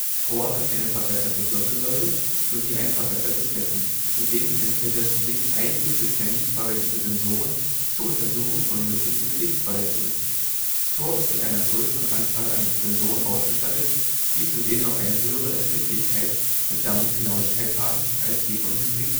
THOR hat eine verbesserte Wirbelsäule sowie ein verbessertes Becken, zudem enthält das Gesicht einige bisher nicht verwendete Sensoren zur Untersuchung von möglichen Gesichtsverletzungen. THOR ist mit einer größeren Anzahl an Sensoren ausgestattet, die zudem noch eine höhere Empfindlichkeit, und damit Genauigkeit, haben als die von Hybrid